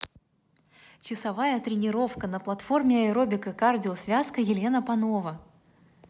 часовая тренировка на платформе аэробика кардио связка елена панова